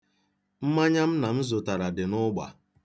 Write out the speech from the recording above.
Mmanya nna m zụtara dị n'ụgba.